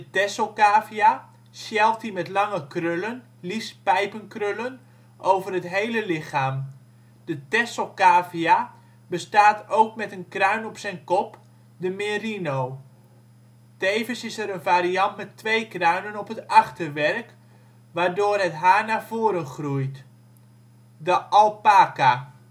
tesselcavia: sheltie met lange krullen, liefst pijpenkrullen, over het hele lichaam. De tesselcavia bestaat ook met een kruin op zijn kop: de merino. Tevens is er een variant met twee kruinen op het achterwerk, waardoor het haar naar voren groeit: de alpaca